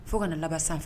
Fo kana laban sanfɛ fɛ